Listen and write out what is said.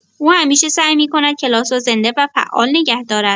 او همیشه سعی می‌کند کلاس را زنده و فعال نگه دارد.